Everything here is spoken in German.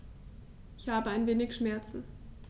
Ich habe ein wenig Schmerzen.